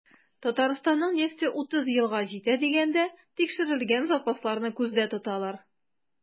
Татарстанның нефте 30 елга җитә дигәндә, тикшерелгән запасларны күздә тоталар.